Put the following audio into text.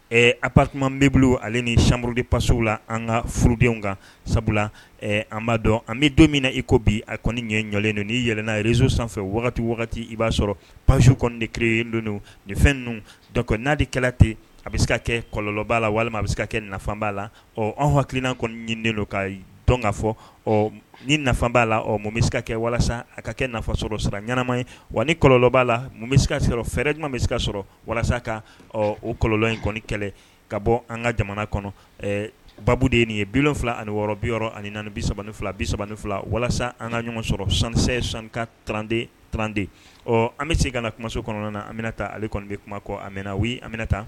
A bak bɛ bolo ale ni samuruuru de passow la an ka furudenw kan sabula an b'a dɔn an bɛ don min na iko bi a kɔni ɲɛ ɲɔlen don niɛlɛnna rez sanfɛ wagati wagati i b'a sɔrɔ pasisiw kɔni de keree don nin fɛn ninnu dɔk n'adikɛla ten a bɛ se ka kɛ kɔlɔlɔnlɔba la walima a bɛ se ka kɛ nafabaa la ɔ an hakilikilinaan kɔni ɲininen don ka dɔn ka fɔ ɔ ni nafa b'a la o mo bɛ seka ka kɛ walasa a ka kɛ nafa sɔrɔ sara ɲɛnama ye wa ni kɔlɔnlɔba la mun bɛ se ka sɔrɔ fɛɛrɛ ɲuman bɛ seka ka sɔrɔ walasa ka o kɔlɔn in kɔni kɛlɛ ka bɔ an ka jamana kɔnɔ ba de in ye bi wolonwula ani wɔɔrɔ bi ani bisa ni fila bisa ni fila walasa an ka ɲɔgɔn sɔrɔ sankisɛ sanka tranden trante ɔ an bɛ se ka na kumaso kɔnɔna na an bɛna taa ale kɔni bɛ kuma amina na wuli anmina taa